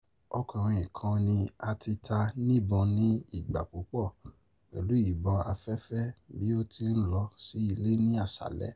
Ọkunrin kan ni a ti ta nibọn ni igba pupọ pẹlu ibọn afẹfẹ bi o ti nlọ si ile ni aṣalẹ.